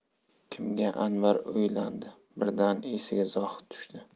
kimga anvar o'ylandi birdan esiga zohid tushdi